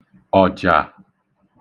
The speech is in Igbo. ọ̀jà